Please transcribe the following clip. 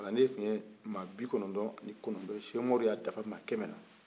kalanden tun ye maa bi kɔnɔtɔn ani kɔnɔtɔn sɛk umar y'a dafa maa kɛmɛ